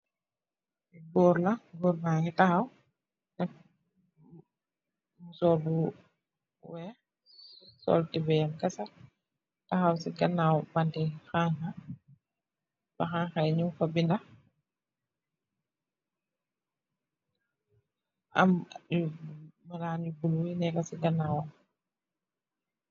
Goor laah , goor mbakeh tahaw sol musoor bu weeh sol tubeei keseeh , Tahaw si kanaaw hanha , teeh hanha yeeh nun faah beendah , emm malann yuuh bulo yu neeka si kanawam .